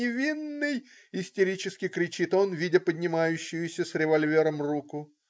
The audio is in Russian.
Невинный!" - истерически кричит он, видя поднимающуюся с револьвером руку.